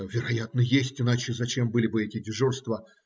- Вероятно, есть; иначе зачем были бы эти дежурства?